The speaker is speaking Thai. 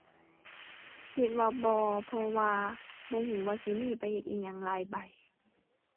คิดว่าบ่เพราะว่าบ่รู้ว่าสิมีไปเฮ็ดอิหยังหลายใบ